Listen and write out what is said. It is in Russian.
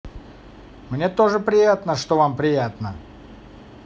мне тоже приятно что вам приятно